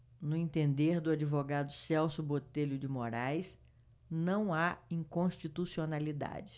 no entender do advogado celso botelho de moraes não há inconstitucionalidade